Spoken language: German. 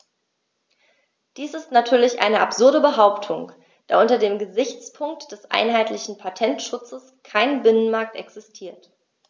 Dies ist natürlich eine absurde Behauptung, da unter dem Gesichtspunkt des einheitlichen Patentschutzes kein Binnenmarkt existiert.